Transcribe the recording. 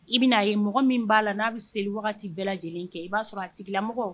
I bɛna'a ye mɔgɔ min b'a la n'a bɛ seli bɛɛ lajɛlen kɛ i b'a sɔrɔ a tigila mɔgɔ